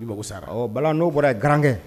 I mago sara ɔ Bala n'o bɔra yen garankɛ